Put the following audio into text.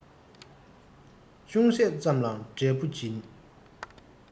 ཅུང ཟད ཙམ ལའང འབྲས བུ འབྱིན